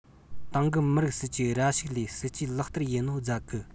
ཏང གིགམི རིགས སྲིད ཇུག ར ཕྱུགས ལས སྲིད ཇུས ལག བལྟར ཡས ནོ རྫ གི